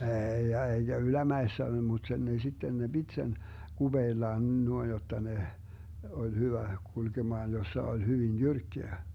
ei ja eikä ylämäessä mutta sen ne sitten ne piti sen kupeellaan noin jotta ne oli hyvä kulkemaan jossa oli hyvin jyrkkää